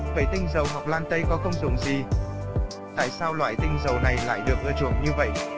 vậy tinh dầu ngọc lan tây có công dụng gì tại sao loại tinh dầu này lại được ưa chuộng như vậy